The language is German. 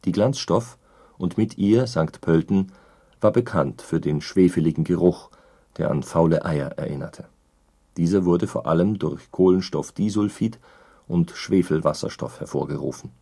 Glanzstoff und mit ihr St. Pölten war bekannt für den schwefeligen Geruch, der an faule Eier erinnerte. Dieser wurde vor allem durch Kohlenstoffdisulfid und Schwefelwasserstoff hervorgerufen